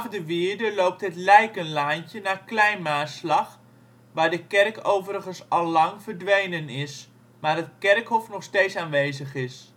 de wierde loopt het Lijkenlaantje naar Klein Maarslag, waar de kerk overigens allang verdwenen is, maar het kerkhof nog steeds aanwezig is